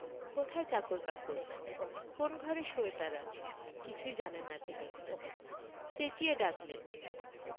কোথায় চাকর বাকর কোন্ ঘরে শোয় তারা কিছুই জানেন না তিনি চেঁচিয়ে ডাকলেন